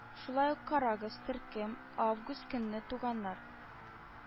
Шулай ук карагыз: Төркем: август көнне туганнар